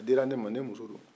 a dira ne man ne muso do